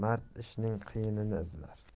mard ishning qiyinini izlar